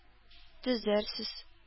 Төзәрсез